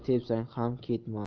tepsang ham ketmas